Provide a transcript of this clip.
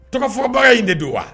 Tɔgɔfɔba in de don wa?